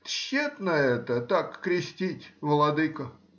Тщетно это так крестить, владыко!